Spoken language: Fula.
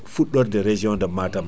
fuɗɗorde région de Matam